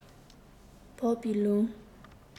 འཕགས པའི ལུང